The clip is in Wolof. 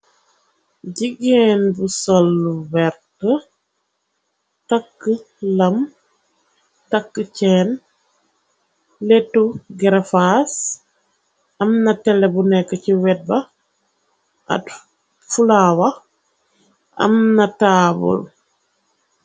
Jigéen bu solu wert takk lam takk cenn letu grefas am na tele bu nekk ci wetba at fulawa am na taabul.